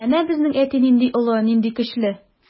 Әнә безнең әти нинди олы, нинди көчле.